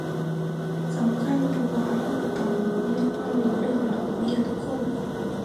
สำคัญ เพราะว่าเราเราต้องมีความรู้เรื่องดอกเบี้ยทุกคน